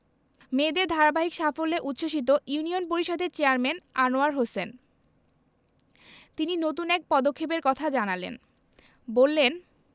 মেয়েদের ধারাবাহিক সাফল্যে উচ্ছ্বসিত ইউনিয়ন পরিষদের চেয়ারম্যান আনোয়ার হোসেন তিনি নতুন এক পদক্ষেপের কথা জানালেন বললেন